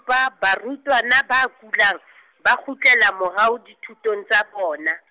barutwana ba kulang , ba kgutlela morao dithutong tsa bona.